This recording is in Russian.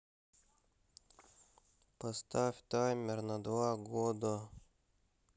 поставь таймер на два года